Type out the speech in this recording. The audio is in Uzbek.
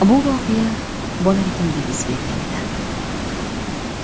bu voqea bolaligimda yuz bergan edi